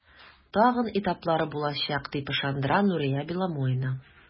Тагын этаплары булачак, дип ышандыра Нурия Беломоина.